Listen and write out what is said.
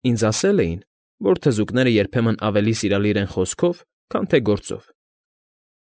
Ինձ ասել էին, որ թզուկները երբեմն ավելի սիրալիր են խոսքով, քան թե գործով։